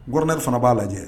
Gɔrɔnɛ fana b'a lajɛ